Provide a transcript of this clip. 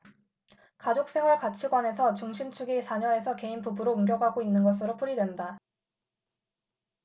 가족생활 가치관에서 중심축이 자녀에서 개인 부부로 옮겨가고 있는 것으로 풀이된다